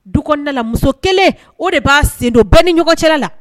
Dukɔnɔna la muso kelen, o de b'a sen don bɛɛ ni ɲɔgɔn cɛla la.